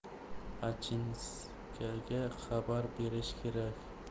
achinskaga xabar berish kerak